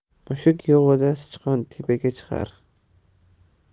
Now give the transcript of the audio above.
mushuk yo'g'ida sichqon tepaga chiqar